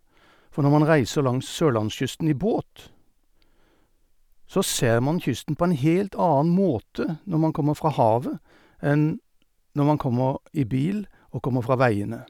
For når man reiser langs Sørlandskysten i båt, så ser man kysten på en helt annen måte når man kommer fra havet, enn når man kommer i bil og kommer fra veiene.